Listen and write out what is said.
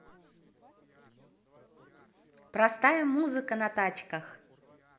простая музыка на тачках